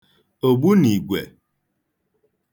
ògbunìgwè